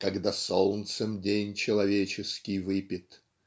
когда "солнцем день человеческий выпит"